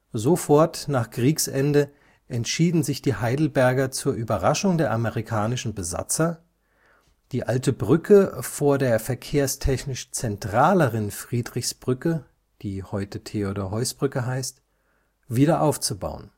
Sofort nach Kriegsende entschieden sich die Heidelberger zur Überraschung der amerikanischen Besatzer, die Alte Brücke vor der verkehrstechnisch zentraleren Friedrichsbrücke (heute Theodor-Heuss-Brücke) wieder aufzubauen